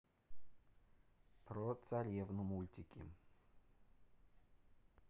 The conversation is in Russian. про царевну мультики